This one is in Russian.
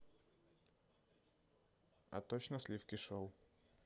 а точно сливки шоу